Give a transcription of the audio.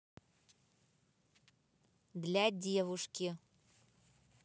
для девушки